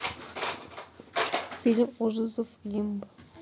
фильм ужасов лимб